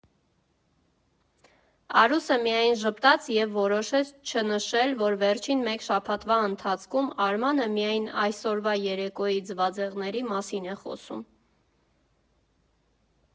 Արուսը միայն ժպտաց և որոշեց չնշել, որ վերջին մեկ շաբաթվա ընթացքում Արմանը միայն այսօրվա երեկոյի ձվածեղների մասին է խոսում։